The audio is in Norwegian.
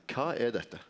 kva er dette?